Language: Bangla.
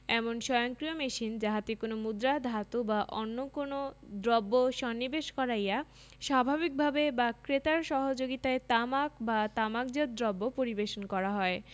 এমন স্বয়ংক্রিয় মেশিন যাহাতে কোন মুদ্রা ধাতু বা অন্য কোন দ্রব্য সন্নিবেশ করাইয়া স্বাভাবিকভাবে বা ক্রেতার সহযোগিতায় তামাক বা তামাকজাত দ্রব্য পরিবেশন করা হয়